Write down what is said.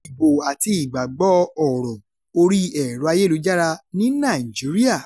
Ìbò àti ìgbàgbọ́ ọ̀rọ̀ orí ẹ̀rọ ayélujára ní Nàìjíríà